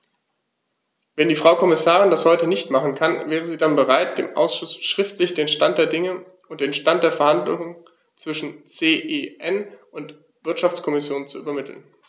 Wenn die Frau Kommissarin das heute nicht machen kann, wäre sie dann bereit, dem Ausschuss schriftlich den Stand der Dinge und den Stand der Verhandlungen zwischen CEN und Wirtschaftskommission zu übermitteln?